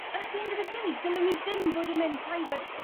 at the end of the day dylwn ni ddim fod yn mynd private